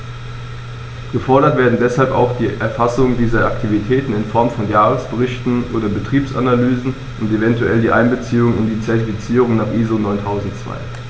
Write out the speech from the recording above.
Gefordert werden deshalb auch die Erfassung dieser Aktivitäten in Form von Jahresberichten oder Betriebsanalysen und eventuell die Einbeziehung in die Zertifizierung nach ISO 9002.